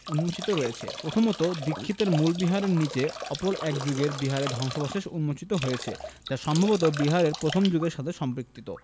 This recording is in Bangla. উন্মোচিত হয়েছে প্রথমত দীক্ষিতের মূল বিহারের নিচে অপর এক যুগের বিহারের ধ্বংসাবশেষ উন্মোচিত হয়েছে যা সম্ভবত বিহারের প্রথম যুগের সাথে সম্পৃক্ত